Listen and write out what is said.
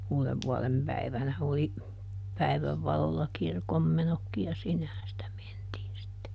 uudenvuodenpäivänä oli päivän valolla kirkonmenotkin ja sinnehän sitä mentiin sitten